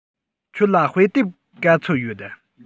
ཁྱོད ལ དཔེ དེབ ག ཚོད ཡོད